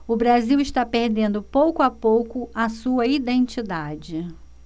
o brasil está perdendo pouco a pouco a sua identidade